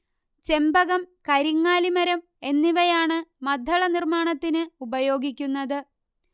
ചെമ്പകം കരിങ്ങാലി മരം എന്നിവയാണ് മദ്ദള നിർമ്മാണത്തിന് ഉപയോഗിക്കുന്നത്